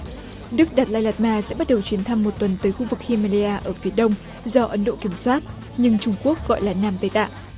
đức đạt lai lạt ma sẽ bắt đầu chuyến thăm một tuần tới khu vực hi ma lay a ở phía đông do ấn độ kiểm soát nhưng trung quốc gọi là nam tây tạng